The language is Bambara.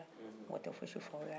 aw be ta ni silamɛya kɔnɔla ye